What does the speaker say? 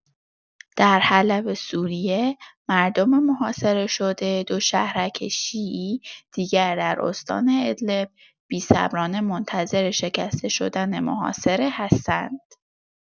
در حلب سوریه، مردم محاصره‌شده دو شهرک شیعی دیگر در استان ادلب، بی‌صبرانه منتظر شکسته شدن محاصره هستند.